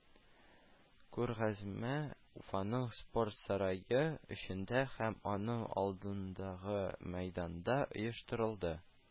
Күргәзмә Уфаның Спорт сарае эчендә һәм аның алдындагы мәйданда оештырылды